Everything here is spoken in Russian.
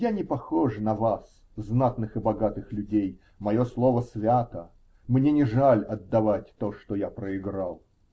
Я не похож на вас, знатных и богатых людей: мое слово свято, мне не жаль отдавать то, что я проиграл.